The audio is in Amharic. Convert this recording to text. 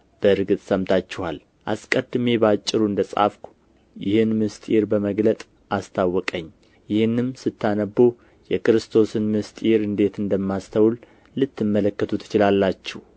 በእርግጥ ሰምታችኋል አስቀድሜ በአጭሩ እንደ ጻፍሁ ይህን ምሥጢር በመግለጥ አስታወቀኝ ይህንም ስታነቡ የክርስቶስን ምሥጢር እንዴት እንደማስተውል ልትመለከቱ ትችላላችሁ